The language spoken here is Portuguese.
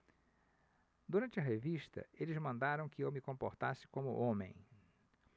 durante a revista eles mandaram que eu me comportasse como homem